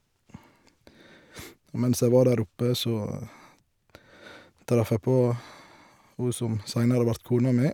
Og mens jeg var der oppe, så traff jeg på hun som seinere vart kona mi.